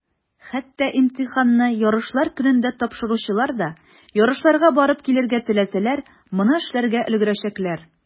Хәтта имтиханны ярышлар көнендә тапшыручылар да, ярышларга барып килергә теләсәләр, моны эшләргә өлгерәчәкләр.